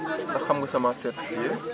kon xam nga semence certifiée